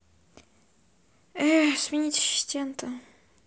э сменить ассистента